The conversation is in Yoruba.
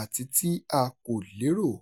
àti tí a kò lérò.